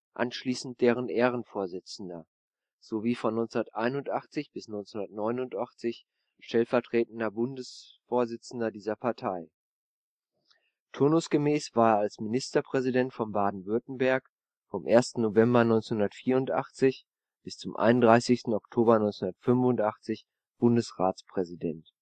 anschließend deren Ehrenvorsitzender, sowie von 1981 bis 1989 stellvertretender Bundesvorsitzender dieser Partei. Turnusgemäß war er als Ministerpräsident von Baden-Württemberg vom 1. November 1984 bis zum 31. Oktober 1985 Bundesratspräsident